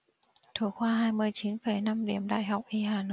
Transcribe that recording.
thủ khoa hai mươi chín phẩy năm điểm đại học y hà nội